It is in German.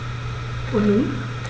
Und nun?